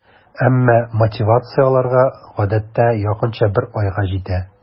Әмма мотивация аларга гадәттә якынча бер айга җитә.